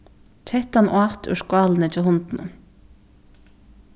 kettan át úr skálini hjá hundinum